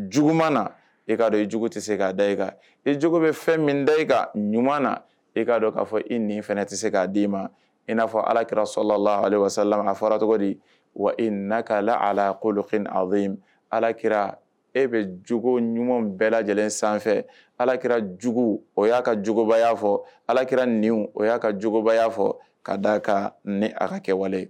Jugu na e'a dɔn i jugu tɛ se k'a da e kan i jugu bɛ fɛn min da e ka ɲuman na e ka dɔn k kaa fɔ i nin fana tɛ se k'a d' i ma i n'a fɔ alaki sola la fara tɔgɔ di wa i na ka ala ko dɔfin a alaki e bɛ jugu ɲuman bɛɛ lajɛlen sanfɛ alaki jugu o y'a ka juguba fɔ alaki nin o y' aa ka juguba fɔ ka d' ka ni a ka kɛwale